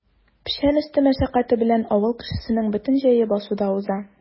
Печән өсте мәшәкате белән авыл кешесенең бөтен җәе басуда уза.